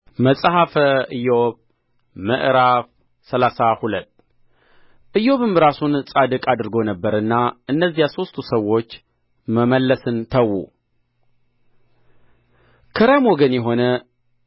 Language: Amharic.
መጽሐፈ ኢዮብ ምዕራፍ ሰላሳ ሁለት ኢዮብም ራሱን ጻድቅ አድርጎ ነበርና እነዚያ ሦስቱ ሰዎች መመለስን ተዉ ከራም ወገን የሆነ